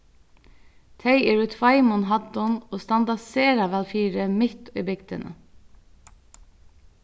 tey eru í tveimum hæddum og standa sera væl fyri mitt í bygdini